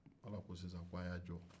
ala ko sisan k'aw y'a jɔ